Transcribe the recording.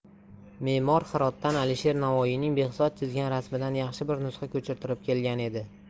memor hirotdan alisher navoiyning behzod chizgan rasmidan yaxshi bir nusxa ko'chirtirib kelgan edi